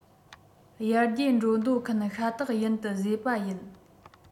ཡར རྒྱས འགྲོ འདོད མཁན ཤ སྟག ཡིན དུ བཟོས པ ཡིན